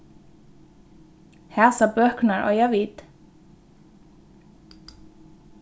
hasar bøkurnar eiga vit